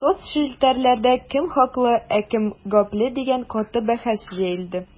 Соцчелтәрләрдә кем хаклы, ә кем гапле дигән каты бәхәс җәелде.